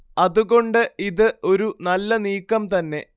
അത് കൊണ്ട് ഇത് ഒരു നല്ല നീക്കം തന്നെ